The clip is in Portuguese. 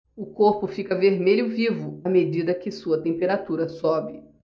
o corpo fica vermelho vivo à medida que sua temperatura sobe